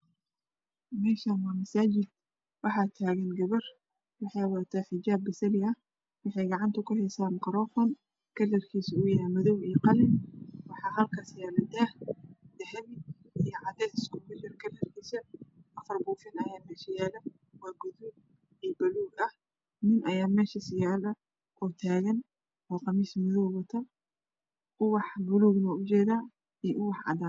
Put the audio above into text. Meshan waa masajid waxa tag gabar waxey wadataa xijaap pazli ah waxey gacan ta ku hesaa makaroofan kalarkiisu uu yahay madow iyo qalin waxaa halkaas yaalo daah dahapi iyo cadees isku jir ah kalarkiisa puufin ayaa mesha yala waa paluug iyo gaduud n8n ayaa meshaas taagan oo qamiis amdow wato upax paluugna waa ujeeda iyo ubax cadan ah